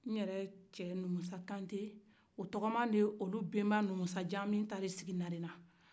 nyɛrɛ cɛ numusa kante o tɔgɔman de ye olu benba numusa kante min taara sigi narena